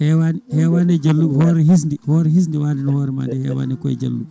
hewani hewani e Dialluɓe hoore hisde hisde waade no hoore ma nde hewani e kooye Dialluɓe